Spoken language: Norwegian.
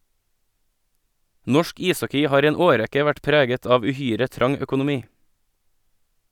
Norsk ishockey har i en årrekke vært preget av uhyre trang økonomi.